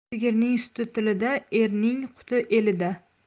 sigirning suti tilida erning quti elida